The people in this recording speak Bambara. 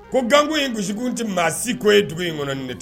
Ko gko in gosikun tɛ maa siko ye dugu in kɔnɔɔni de ten